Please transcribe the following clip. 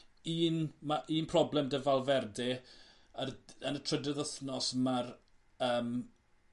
Un ma' un problem 'da Valverde yr yn y trydydd wthnos ma'r yym